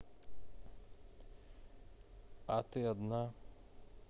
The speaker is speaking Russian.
а ты одна